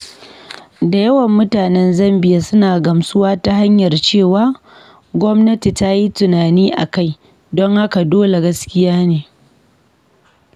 Da yawan mutanan Zambiya suna gamsuwa ta hanyar cewa, ''gwamnati ta yi tunani a kai, don haka dole gaskiya ne.